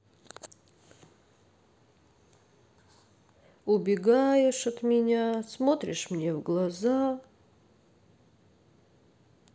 убегаешь от меня смотришь мне в глаза